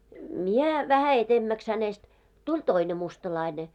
minä vähän edemmäksi hänestä tuli toinen mustalainen